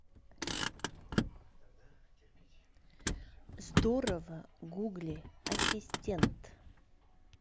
здорово google ассистент